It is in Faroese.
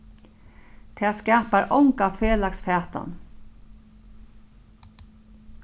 tað skapar onga felags fatan